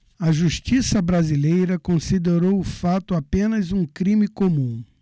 a justiça brasileira considerou o fato apenas um crime comum